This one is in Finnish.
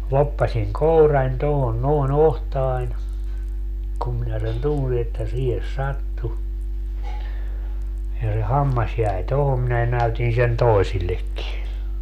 loppasin kourani tuohon noin otsaani kun minä sen tunsin että siihen sattui ja se hammas jäi tuohon minä näytin sen toisillekin